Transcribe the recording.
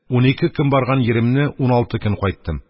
Унике көн барган йиремне уналты көн кайттым.